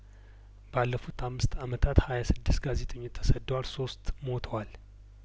ባለፉት አምስት አመታት ሀያ ስድስት ጋዜጠኞች ተሰደዋል ሶስት ሞተዋል